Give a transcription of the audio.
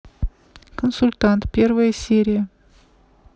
консультант первая серия